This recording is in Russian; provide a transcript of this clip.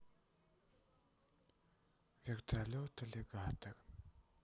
вертолет аллигатор